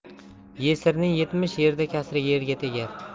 yesirning yetmish yerda kasri tegar